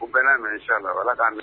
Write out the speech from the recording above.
U bɛɛ n'a mɛn in challah